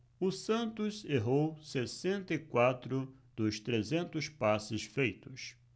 o santos errou sessenta e quatro dos trezentos passes feitos